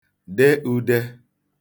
de ūdē